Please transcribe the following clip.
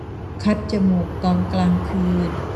คัดจมูกตอนกลางคืน